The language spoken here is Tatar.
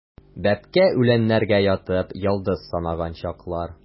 Бәбкә үләннәргә ятып, йолдыз санаган чаклар.